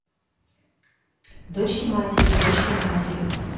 дочки матери дочки матери